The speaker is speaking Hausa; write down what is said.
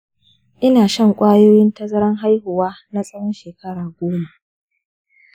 ina shan ƙwayoyin tazaran haihuwa na tsawon shekara goma